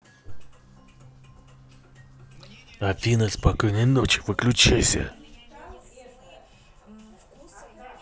афина спокойной ночи выключайся